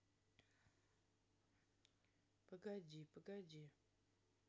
погоди погоди